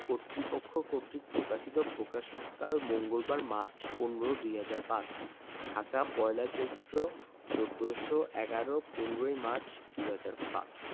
কতৃপক্ষ কর্তৃক প্রকাশিত প্রকাশকালঃ মঙ্গলবার মার্চ ১৫ ২০০৫ ঢাকা ১লা চৈত্র ১৪১১ ১৫ই মার্চ ২০০৫